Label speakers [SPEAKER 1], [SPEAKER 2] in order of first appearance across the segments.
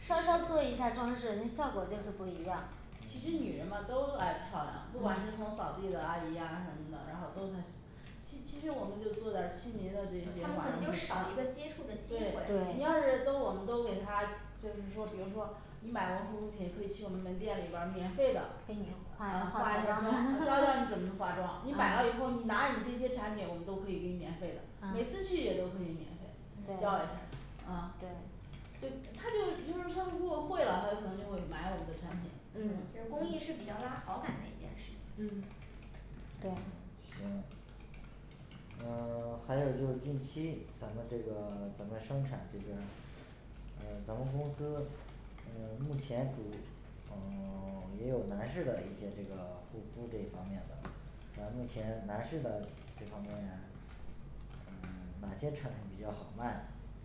[SPEAKER 1] 稍稍做一下装饰那效果就是不一样
[SPEAKER 2] 其实女人嘛都爱漂亮，不管是从扫地的阿姨呀什么的，然后都她喜其其实我们就做点儿亲民的这些
[SPEAKER 3] 他
[SPEAKER 2] 反
[SPEAKER 3] 们可
[SPEAKER 2] 而
[SPEAKER 3] 能就
[SPEAKER 2] 会，
[SPEAKER 3] 少一个接触的机
[SPEAKER 2] 对
[SPEAKER 3] 会
[SPEAKER 1] 对
[SPEAKER 2] 你要是都我们都给他就是说比如说你买完护肤品可以去我们门店里边儿免费的
[SPEAKER 3] 给你化
[SPEAKER 2] 呃
[SPEAKER 3] 化
[SPEAKER 2] 画
[SPEAKER 3] 下
[SPEAKER 2] 一下妆，教教你
[SPEAKER 3] 妆
[SPEAKER 2] 怎么化妆，你买了以后你拿你这些产品我们都可以给你免费的，每
[SPEAKER 3] 嗯
[SPEAKER 2] 次去也都可以免费教一
[SPEAKER 3] 对
[SPEAKER 2] 下儿呃
[SPEAKER 1] 对
[SPEAKER 2] 就他就就是说我会了，他就有可能就会买我们的产品。
[SPEAKER 3] 嗯
[SPEAKER 2] 嗯
[SPEAKER 3] 其实公
[SPEAKER 2] 嗯
[SPEAKER 3] 益是一件比较拉好感的一件事情
[SPEAKER 2] 嗯
[SPEAKER 4] 嗯
[SPEAKER 3] 对
[SPEAKER 4] 行啊 还有就是近期咱们这个 咱们生产这边儿呃咱们公司呃目前主呃 也有男士的一些这个护肤这方面的吗咱目前男士的这方面嗯 哪些产品比较好卖呢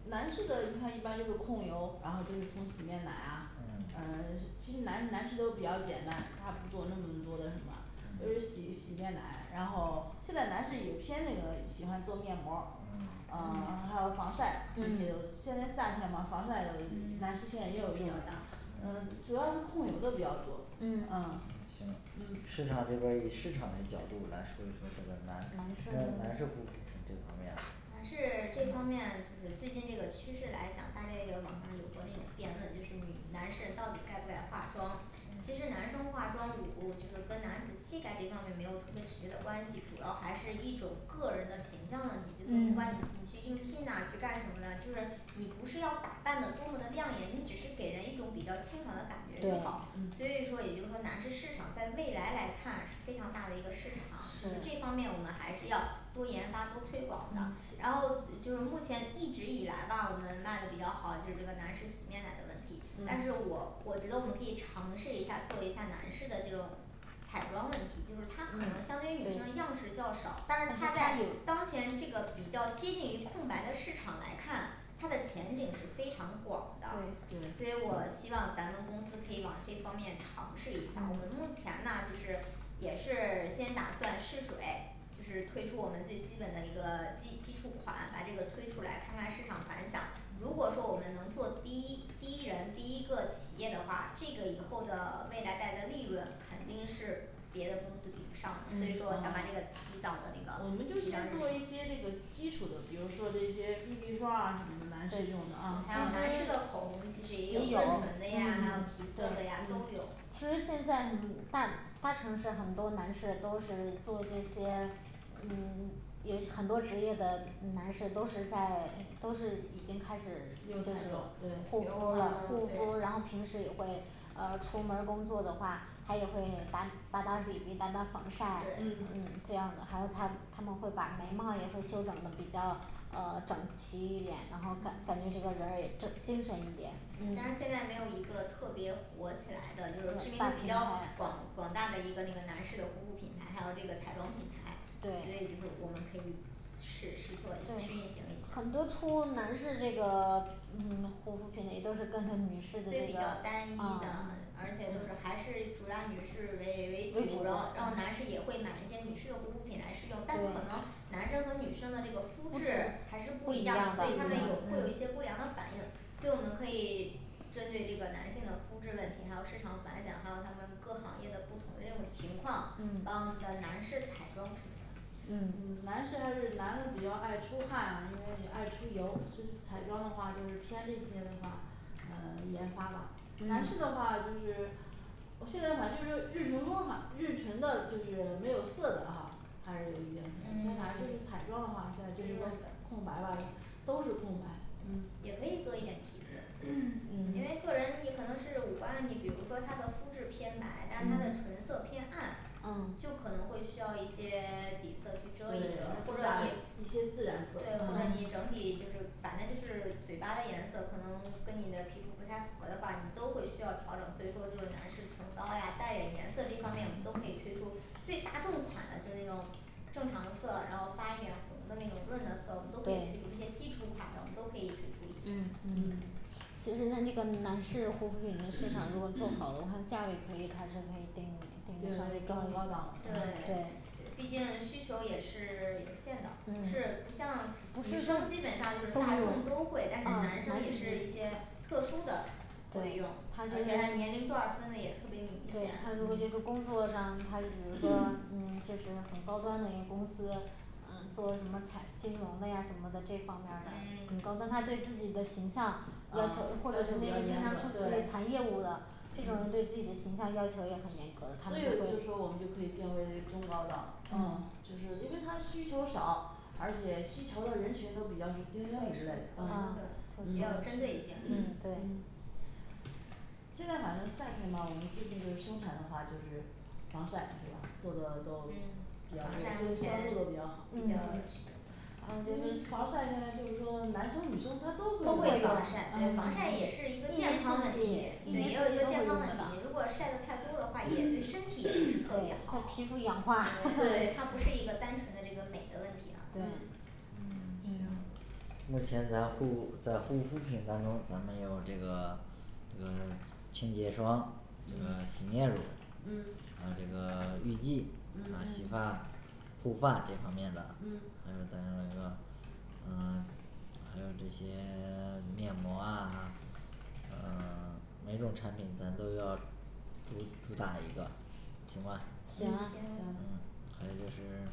[SPEAKER 2] 男士的你看一般就是控油，然后就是从洗面奶啊
[SPEAKER 4] 嗯
[SPEAKER 2] 呃 其实男男士都比较简单，他不做那么多的什么就是洗洗面奶，然后现在男士也偏那个喜欢做面膜儿，
[SPEAKER 4] 嗯
[SPEAKER 2] 呃 还有防晒，这些都
[SPEAKER 3] 嗯
[SPEAKER 2] 现在夏天嘛防晒，男士
[SPEAKER 3] 嗯
[SPEAKER 2] 现在也有
[SPEAKER 3] 有
[SPEAKER 2] 用
[SPEAKER 3] 有
[SPEAKER 2] 的
[SPEAKER 3] 的
[SPEAKER 2] 呃主要是控油的比较多嗯
[SPEAKER 3] 嗯
[SPEAKER 2] 嗯
[SPEAKER 4] 行
[SPEAKER 2] 嗯
[SPEAKER 4] 市场这边儿以市场的角度来说一说这个
[SPEAKER 3] 男
[SPEAKER 4] 男男
[SPEAKER 3] 士
[SPEAKER 4] 士
[SPEAKER 3] 护
[SPEAKER 4] 护
[SPEAKER 3] 肤
[SPEAKER 4] 肤品
[SPEAKER 3] 品
[SPEAKER 4] 这方面的
[SPEAKER 3] 男士这方面就是最近这个趋势来讲，大家也有网上有过那种辩论，就是女男士到底该不该化妆其实男生化妆舞就是跟男子气概这方面没有特别直接的关系，主要还是一种个人的形象问题，就是不管你你
[SPEAKER 1] 嗯
[SPEAKER 3] 去应聘呐去干什么的，就是你不是要打扮的多么的亮眼，你只是给人一种比较清爽的感觉
[SPEAKER 1] 对
[SPEAKER 3] 就好。所
[SPEAKER 1] 嗯
[SPEAKER 3] 以说也就是说男士市场在未来来看是非常大的一个市场，这
[SPEAKER 1] 是
[SPEAKER 3] 方面我们还是要多研发多推
[SPEAKER 1] 没
[SPEAKER 3] 广
[SPEAKER 1] 问
[SPEAKER 3] 的
[SPEAKER 1] 题
[SPEAKER 3] 然后就是目前一直以来吧我们卖的比较好就是这个男士洗面奶的问题，但
[SPEAKER 1] 嗯
[SPEAKER 3] 是我我觉得我们可以尝试一下做一下男士的这种彩妆问题，就是它可
[SPEAKER 1] 嗯
[SPEAKER 3] 能相对于女生的样式较少，但是它在当前这个比较接近于空白的市场来看它的前景是非常广的
[SPEAKER 1] 对，
[SPEAKER 2] 对
[SPEAKER 3] 所以我希望咱们公司可以往这方面尝试一下，我们目前呐就是也是先打算试水就是推出我们最基本的一个基基础款，把这个推出来看看市场反响，如果说我们能做第一第一人第一个企业的话，这个以后的未来带的利润肯定是别的公司比不上的，所以说我想把
[SPEAKER 2] 啊
[SPEAKER 3] 这个提早的那个
[SPEAKER 2] 我们
[SPEAKER 3] 个
[SPEAKER 2] 就
[SPEAKER 3] 提上日
[SPEAKER 2] 先
[SPEAKER 3] 程，还
[SPEAKER 2] 做
[SPEAKER 3] 有
[SPEAKER 2] 一些这个基础的，比如说这些B B霜啊什么的，
[SPEAKER 3] 男
[SPEAKER 2] 男士用的啊
[SPEAKER 3] 士的口红其实也
[SPEAKER 1] 也
[SPEAKER 3] 有
[SPEAKER 1] 有，
[SPEAKER 3] 润唇的呀
[SPEAKER 2] 嗯
[SPEAKER 3] 还有提
[SPEAKER 2] 嗯
[SPEAKER 3] 色的呀都
[SPEAKER 2] 嗯
[SPEAKER 3] 有
[SPEAKER 1] 其实现在嗯大大城市很多男士都是做这些嗯 也很多职业的男士都是在都是已经开始
[SPEAKER 2] 用彩妆对
[SPEAKER 1] 护
[SPEAKER 2] 护
[SPEAKER 1] 肤了，
[SPEAKER 2] 肤
[SPEAKER 1] 护肤然后平时也会呃出门儿工作的话，他也会打打打B B打打防晒
[SPEAKER 3] 对
[SPEAKER 1] 嗯
[SPEAKER 2] 嗯
[SPEAKER 1] 这样的。还有他他们会把眉毛也会修整的比较呃整齐一点，然后感感觉这个人儿也正精神一点
[SPEAKER 3] 嗯但是现在没有一个特别火起来的，就是知名度
[SPEAKER 1] 大
[SPEAKER 3] 比较广
[SPEAKER 1] 品牌
[SPEAKER 3] 广大的一个那个男士的护肤品牌，还有这个彩妆品牌，所以
[SPEAKER 1] 对
[SPEAKER 3] 就是我们可以试试做一下试运
[SPEAKER 1] 对
[SPEAKER 3] 行一下，对比
[SPEAKER 1] 很
[SPEAKER 3] 较单一的，
[SPEAKER 1] 多出男士这个嗯护肤品的也都是跟着女士的这个恩
[SPEAKER 3] 而且都是还是主要女士为
[SPEAKER 1] 为
[SPEAKER 3] 为
[SPEAKER 1] 主
[SPEAKER 3] 主，然后然后男士也会买一些女士的护肤品来使用但可能男生和女生的这个
[SPEAKER 1] 肤
[SPEAKER 3] 肤
[SPEAKER 1] 质
[SPEAKER 3] 质还是
[SPEAKER 1] 不
[SPEAKER 3] 不
[SPEAKER 1] 一
[SPEAKER 3] 一样
[SPEAKER 1] 样
[SPEAKER 3] 的，
[SPEAKER 1] 的
[SPEAKER 3] 所以
[SPEAKER 2] 不
[SPEAKER 3] 他们
[SPEAKER 2] 一
[SPEAKER 3] 有
[SPEAKER 2] 样
[SPEAKER 3] 会有一些不良的反应所以我们可以针对这个男性的肤质问题，还有市场反响，还有他们各行业的不同的这种情况，把我们
[SPEAKER 1] 嗯
[SPEAKER 3] 的男士彩妆什么的
[SPEAKER 2] 嗯
[SPEAKER 1] 嗯
[SPEAKER 2] 男士还是男的比较爱出汗，因为爱出油是是彩妆的话，就是偏这些的话呃研发吧男士的
[SPEAKER 1] 嗯
[SPEAKER 2] 话就是我现在反正就是润唇膏的话润唇的就是没有色的哈还是有一定色，所以
[SPEAKER 3] 嗯
[SPEAKER 2] 反正就是彩妆的话，现在就
[SPEAKER 3] 就
[SPEAKER 2] 是
[SPEAKER 3] 是
[SPEAKER 2] 说空白吧就都是空白嗯
[SPEAKER 3] 也可以做一点提色。因为
[SPEAKER 1] 嗯
[SPEAKER 2] 嗯
[SPEAKER 3] 个人你可能是五官，你比如说她的肤质偏白，但是她的
[SPEAKER 2] 嗯
[SPEAKER 3] 唇色偏暗
[SPEAKER 1] 嗯
[SPEAKER 3] 就可能会需要一些 底色
[SPEAKER 2] 对
[SPEAKER 3] 去遮一遮
[SPEAKER 2] 那，
[SPEAKER 3] 或
[SPEAKER 2] 主
[SPEAKER 3] 者
[SPEAKER 2] 打
[SPEAKER 3] 你
[SPEAKER 2] 一些自
[SPEAKER 3] 对
[SPEAKER 2] 然色
[SPEAKER 3] 或者你整体就是反正就是嘴巴的颜色可能跟你的皮肤不太符合的话，你都会需要调整，所以说就是男士唇膏呀带点颜色这方面我们都可以推出最大众款的就是那种正常色，然后发一点红的那种润的色，我们都可以推
[SPEAKER 1] 对
[SPEAKER 3] 出这些基础款的，我们都可以推出一些
[SPEAKER 1] 嗯
[SPEAKER 2] 嗯
[SPEAKER 1] 其实他这个男士护肤品的市场如果做好的话，价位可以它是可以定定的稍微高一
[SPEAKER 2] 定位中高档
[SPEAKER 1] 啊
[SPEAKER 2] 的
[SPEAKER 3] 对
[SPEAKER 2] 嗯
[SPEAKER 1] 对
[SPEAKER 3] 毕竟需求也是有限的，不是
[SPEAKER 2] 嗯
[SPEAKER 3] 不像女生，基本上就是大众都会，但是
[SPEAKER 2] 啊
[SPEAKER 3] 男生也是一些特殊的。会用，而且他年龄段儿分的也特别明显，
[SPEAKER 1] 他对他如果工作上他比如 说
[SPEAKER 2] 嗯
[SPEAKER 1] 嗯就是很高端的一个公司嗯做什么产金融的呀什么的这方面儿的
[SPEAKER 3] 嗯
[SPEAKER 1] 很高端，他对自己的形象
[SPEAKER 2] 呃
[SPEAKER 1] 要
[SPEAKER 2] 要
[SPEAKER 1] 求
[SPEAKER 2] 求，
[SPEAKER 1] 或者说
[SPEAKER 2] 比
[SPEAKER 1] 每
[SPEAKER 2] 较
[SPEAKER 1] 次尽
[SPEAKER 2] 严格
[SPEAKER 1] 量出去
[SPEAKER 2] 对
[SPEAKER 1] 谈业务的嗯这种人对自己的形象要求也很严格的
[SPEAKER 2] 嗯，
[SPEAKER 1] 他
[SPEAKER 2] 所
[SPEAKER 1] 们
[SPEAKER 2] 以
[SPEAKER 1] 会
[SPEAKER 2] 就是说我们就可以定位为中高档，嗯就是因为他需求少而且需求的人群都比较是精
[SPEAKER 1] 特
[SPEAKER 2] 英一类
[SPEAKER 1] 殊
[SPEAKER 2] 的
[SPEAKER 1] 的
[SPEAKER 3] 啊
[SPEAKER 2] 嗯
[SPEAKER 3] 我们
[SPEAKER 2] 嗯，
[SPEAKER 3] 要针对性。
[SPEAKER 2] 嗯
[SPEAKER 1] 对
[SPEAKER 2] 现在反正夏天嘛我们最近就是生产的话就是防晒是吧做的都
[SPEAKER 3] 嗯
[SPEAKER 2] 比较多
[SPEAKER 3] 防
[SPEAKER 2] 这个
[SPEAKER 3] 晒
[SPEAKER 2] 销售
[SPEAKER 3] 偏
[SPEAKER 2] 的比较好
[SPEAKER 1] 嗯
[SPEAKER 3] 嗯
[SPEAKER 2] 因为防晒现在就是说男生女生他
[SPEAKER 3] 都
[SPEAKER 2] 都会
[SPEAKER 3] 会
[SPEAKER 2] 有
[SPEAKER 3] 防晒，对
[SPEAKER 2] 嗯
[SPEAKER 3] 防晒也是一个
[SPEAKER 1] 啊这就
[SPEAKER 3] 健
[SPEAKER 1] 是
[SPEAKER 3] 康问
[SPEAKER 1] 一年
[SPEAKER 3] 题
[SPEAKER 1] 四季，
[SPEAKER 3] 对也有一个健康问题，如果晒得太多的话，也对身体不是特别
[SPEAKER 1] 他
[SPEAKER 3] 好
[SPEAKER 1] 皮肤氧化
[SPEAKER 3] 对
[SPEAKER 2] 对
[SPEAKER 3] 它不是一个单纯的这个美的问题啊
[SPEAKER 2] 嗯
[SPEAKER 4] 嗯行
[SPEAKER 1] 嗯
[SPEAKER 4] 目前咱护在护肤品当中咱们有这个呃清洁霜、这个
[SPEAKER 2] 嗯
[SPEAKER 4] 洗面乳
[SPEAKER 2] 嗯
[SPEAKER 4] 呃这个玉腻啊洗
[SPEAKER 2] 嗯
[SPEAKER 3] 嗯
[SPEAKER 4] 发护发这方面的
[SPEAKER 2] 嗯
[SPEAKER 4] 还有咱们这个呃还有这些 面膜啊呃 每种产品咱都要主主打一个行吗
[SPEAKER 2] 嗯行
[SPEAKER 3] 行
[SPEAKER 4] 还有就是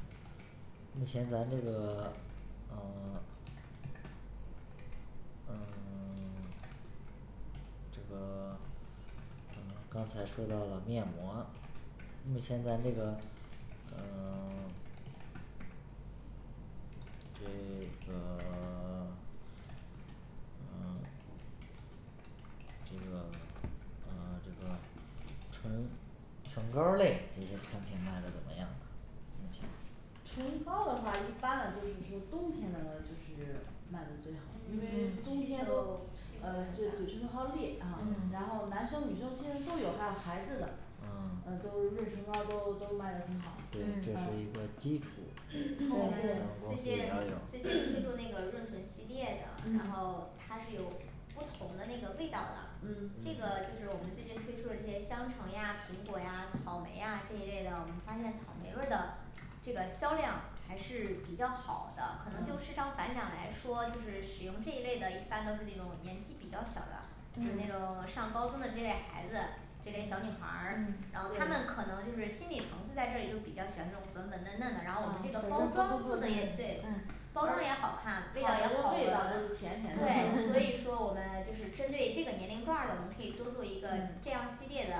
[SPEAKER 4] 目前咱这个呃 嗯 这个 刚才说到了面膜目前咱这个呃 这个 嗯这个 啊这个唇唇膏儿类这些产品卖得怎么样对不起
[SPEAKER 2] 唇膏儿的话一般来就是说冬天的就是卖得最好，因
[SPEAKER 3] 嗯
[SPEAKER 2] 为
[SPEAKER 3] 需求需求比
[SPEAKER 2] 冬天都呃
[SPEAKER 3] 较
[SPEAKER 2] 这嘴唇都
[SPEAKER 3] 大
[SPEAKER 2] 好裂啊
[SPEAKER 3] 嗯，
[SPEAKER 2] 然后男生女生其实都有还有孩子的啊都润唇膏儿都都卖的挺好
[SPEAKER 4] 对
[SPEAKER 3] 对
[SPEAKER 4] 这是一
[SPEAKER 2] 嗯
[SPEAKER 4] 个基础
[SPEAKER 2] 对
[SPEAKER 3] 最近最近推出那个润唇系列的，然
[SPEAKER 2] 嗯
[SPEAKER 3] 后它是有不同的那个味道的。
[SPEAKER 2] 嗯
[SPEAKER 3] 这个就是我们最近推出的这些香橙呀、苹果呀、草莓呀这一类的，我们发现草莓味儿的这个销量还是比较好的，可能就市
[SPEAKER 2] 嗯
[SPEAKER 3] 场反响来说就是使用这一类的一般都是那种年纪比较小的，就是那
[SPEAKER 2] 嗯
[SPEAKER 3] 种上高中的这类孩子这类小女孩儿，
[SPEAKER 1] 嗯
[SPEAKER 3] 然后他们可能就是心理层次在这里就比较喜欢这种粉粉嫩嫩的，然后我们这个包装做得也
[SPEAKER 1] 对对对
[SPEAKER 3] 对嗯
[SPEAKER 1] 嗯
[SPEAKER 3] 包装也好看
[SPEAKER 2] 草，
[SPEAKER 3] 味
[SPEAKER 2] 莓
[SPEAKER 3] 道也好
[SPEAKER 2] 的味道都
[SPEAKER 3] 闻，
[SPEAKER 2] 是甜甜的
[SPEAKER 3] 对所
[SPEAKER 2] 啊
[SPEAKER 3] 以说 我们就是针对这个年龄段儿的，我们可以多做一个
[SPEAKER 2] 嗯
[SPEAKER 3] 这样系列的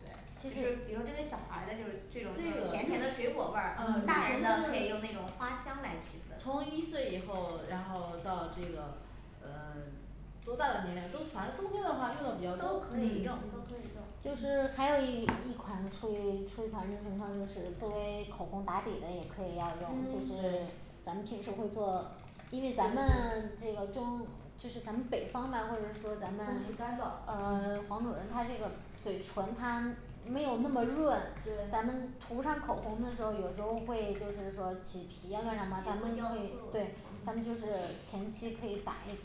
[SPEAKER 3] 对，
[SPEAKER 1] 其
[SPEAKER 3] 其实
[SPEAKER 1] 实
[SPEAKER 3] 比如这类小孩儿的就是这种
[SPEAKER 2] 这个润嗯润
[SPEAKER 3] 甜
[SPEAKER 2] 唇
[SPEAKER 3] 甜
[SPEAKER 2] 的
[SPEAKER 3] 的
[SPEAKER 2] 就是
[SPEAKER 3] 水果味儿，大人的可以用那种花香来区分，
[SPEAKER 2] 从一岁以后然后到这个呃 多大的年龄都反正冬天的话用的比较
[SPEAKER 3] 都
[SPEAKER 2] 多
[SPEAKER 3] 可以用都可以用，就是还有一一款出于出于反正的情况就是作为口红打底的也可以要用。 就
[SPEAKER 1] 嗯
[SPEAKER 3] 是
[SPEAKER 2] 对
[SPEAKER 3] 咱们平时会做因为咱们
[SPEAKER 2] 对对
[SPEAKER 3] 这个中就是咱们北方嘛或者说
[SPEAKER 2] 空气干燥
[SPEAKER 3] 呃黄种人他这个嘴唇它没有那么润，
[SPEAKER 2] 对
[SPEAKER 3] 咱们涂上口红的时候有时候会就是说起皮啊什么
[SPEAKER 2] 也
[SPEAKER 1] 起
[SPEAKER 2] 会
[SPEAKER 1] 皮
[SPEAKER 2] 掉
[SPEAKER 3] 对
[SPEAKER 2] 色，
[SPEAKER 3] 咱们就是前期可以打一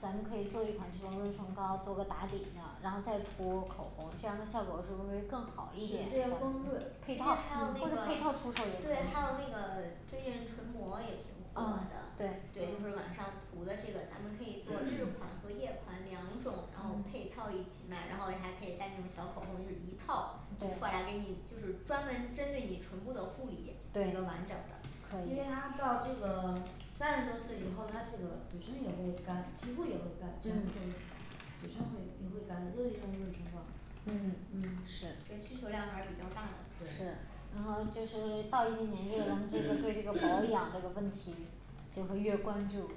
[SPEAKER 3] 咱们可以做一款这个润唇膏做个打底的，嗯然后再涂口红，这样的效果是不是会更好一
[SPEAKER 2] 是
[SPEAKER 3] 点，
[SPEAKER 2] 这
[SPEAKER 3] 还有
[SPEAKER 2] 些光
[SPEAKER 3] 那个
[SPEAKER 2] 润
[SPEAKER 1] 配
[SPEAKER 3] 对
[SPEAKER 1] 套
[SPEAKER 3] 还有那
[SPEAKER 1] 或者配
[SPEAKER 3] 个
[SPEAKER 1] 套出售也可以，
[SPEAKER 3] 最近唇膜也挺火
[SPEAKER 1] 嗯
[SPEAKER 3] 的，对就
[SPEAKER 2] 对
[SPEAKER 3] 是晚上涂的这个咱们可以做日款和夜款两种，然后配套一起卖，然后还可以带那种小口红是一套过来给你就是专门针对你唇部的护理一
[SPEAKER 1] 对
[SPEAKER 3] 个完整
[SPEAKER 1] 因为他到这个
[SPEAKER 3] 的，
[SPEAKER 2] 三十多岁以后，他这个嘴唇也会干，皮肤也会干，全部都是
[SPEAKER 1] 嗯
[SPEAKER 2] 嘴唇会也会干都得用润唇膏儿
[SPEAKER 3] 嗯
[SPEAKER 1] 嗯
[SPEAKER 2] 嗯
[SPEAKER 3] 就
[SPEAKER 2] 是
[SPEAKER 3] 是需求量还是比较大的
[SPEAKER 2] 是
[SPEAKER 1] 对然后就是到一定年龄咱们就会对这个保 养这个问题
[SPEAKER 2] 就会越关注，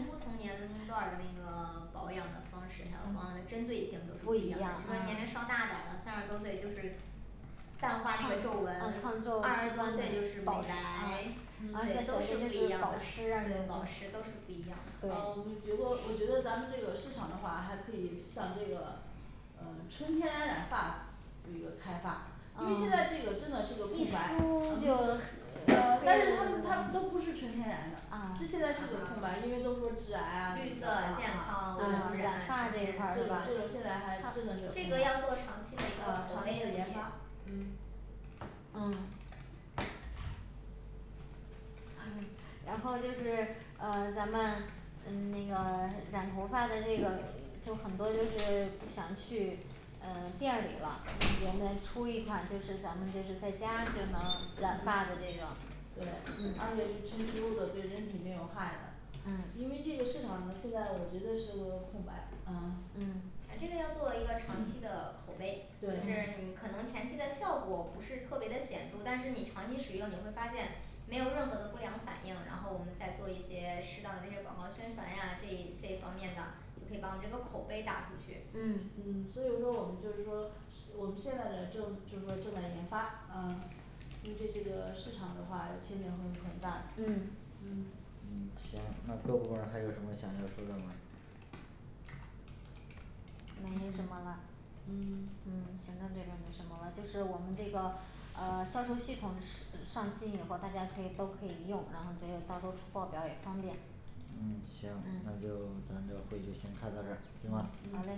[SPEAKER 3] 不不 同年龄段儿那个保养的方式，还有保养的针对性都是不
[SPEAKER 2] 不
[SPEAKER 3] 一
[SPEAKER 2] 一
[SPEAKER 3] 样
[SPEAKER 2] 样
[SPEAKER 3] 的，比如
[SPEAKER 2] 啊
[SPEAKER 3] 说年龄稍大点的三十多岁就是淡化那个皱纹，二
[SPEAKER 1] 抗皱还有
[SPEAKER 3] 十多岁就是美白，都是
[SPEAKER 1] 就
[SPEAKER 3] 不一
[SPEAKER 1] 是
[SPEAKER 3] 样，
[SPEAKER 1] 保湿啊
[SPEAKER 3] 对保湿都是不一样的，
[SPEAKER 2] 啊我们我觉得咱们市场的话还可以像这个呃纯天然染发有一个开发因为现
[SPEAKER 3] 啊
[SPEAKER 2] 在这个真的是个空
[SPEAKER 3] 一梳
[SPEAKER 2] 白
[SPEAKER 3] 就啊
[SPEAKER 2] 呃但是他们他都不是纯天然的，就现在是个空白，因为都说致癌啊
[SPEAKER 1] 绿
[SPEAKER 2] 什么
[SPEAKER 1] 色
[SPEAKER 2] 的，
[SPEAKER 1] 健
[SPEAKER 2] 啊啊
[SPEAKER 1] 康无污
[SPEAKER 2] 对
[SPEAKER 1] 染
[SPEAKER 3] 染发这块儿是
[SPEAKER 2] 这种
[SPEAKER 3] 吧
[SPEAKER 2] 这种现在还真的是
[SPEAKER 3] 这个是要做长
[SPEAKER 2] 长
[SPEAKER 3] 期
[SPEAKER 2] 期
[SPEAKER 3] 的一个口碑问
[SPEAKER 2] 的
[SPEAKER 3] 题
[SPEAKER 2] 研发嗯
[SPEAKER 3] 嗯
[SPEAKER 1] 呃然后就是呃咱们嗯那个 染头发的那个就很多就是想去嗯店儿里吧
[SPEAKER 2] 嗯
[SPEAKER 1] 我们出一款咱们就是在家就能染发的
[SPEAKER 2] 嗯
[SPEAKER 1] 这种
[SPEAKER 2] 对而且
[SPEAKER 1] 嗯
[SPEAKER 2] 是纯植物的对人体没有害得
[SPEAKER 3] 嗯
[SPEAKER 2] 因为这个市场现在我觉得是个空白嗯
[SPEAKER 3] 嗯那这个要做一个长期的口碑就是
[SPEAKER 2] 对
[SPEAKER 3] 可能前期的效果不是特别的显著，但是你长期使用你会发现没有任何的不良反应，然后我们再做一些适当的这些广告宣传呀，这一这方面的就可以把我们这个口碑打出去。
[SPEAKER 1] 嗯
[SPEAKER 2] 嗯所以说我们就是说我们现在的正就是说正在研发嗯因为这些个市场的话前景会很大
[SPEAKER 3] 嗯
[SPEAKER 2] 嗯
[SPEAKER 4] 嗯行，那各部门儿还有什么想要说的吗
[SPEAKER 3] 没什么啦嗯
[SPEAKER 1] 嗯行政这边没什么了就是我们这个呃销售系统是上线以后大家可以都可以用，然后这个到时候报表也方便
[SPEAKER 4] 嗯行
[SPEAKER 2] 嗯
[SPEAKER 4] 那就咱这会就先开到这儿行吧
[SPEAKER 3] 好
[SPEAKER 1] 嗯
[SPEAKER 3] 嘞